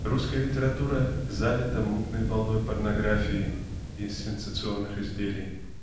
Русская литература залита мутной волной порнографии и сенсационных изделий.